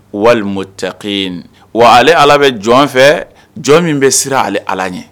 Walima wa ale ala bɛ jɔn fɛ jɔn min bɛ siran ale ala ɲɛ